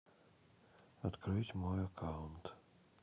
открыть мой аккаунт